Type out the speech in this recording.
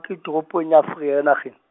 ke toropong ya Vereeniging.